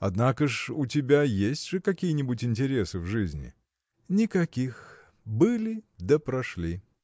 – Однако ж у тебя есть же какие-нибудь интересы в жизни? – Никаких. Были, да прошли.